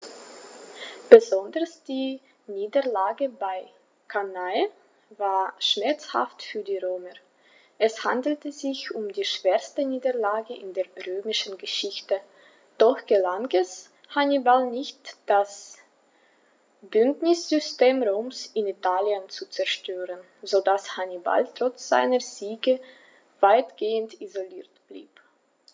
Besonders die Niederlage bei Cannae war schmerzhaft für die Römer: Es handelte sich um die schwerste Niederlage in der römischen Geschichte, doch gelang es Hannibal nicht, das Bündnissystem Roms in Italien zu zerstören, sodass Hannibal trotz seiner Siege weitgehend isoliert blieb.